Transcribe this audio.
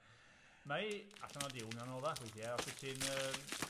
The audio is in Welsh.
Mae allan o diwn anoddach weithie os wt ti'n yym